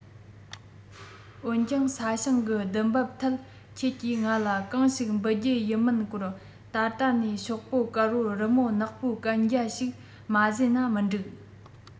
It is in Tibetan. འོན ཀྱང ས ཞིང གི བསྡུ འབབ ཐད ཁྱེད ཀྱི ང ལ གང ཞིག འབུལ རྒྱུ ཡིན མིན སྐོར ད ལྟ ནས ཤོག པོ དཀར པོར རི མོ ནག པོའི གན རྒྱ ཞིག མ བཟོས ན མི འགྲིག